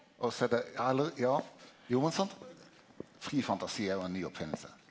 og så er det ja eller ja jo men sant fri fantasi er jo ein ny oppfinning.